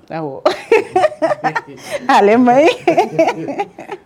Ayiwa ale ma ye